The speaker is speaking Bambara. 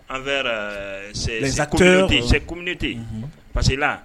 E vers eeh, ses communautés unhun parce que la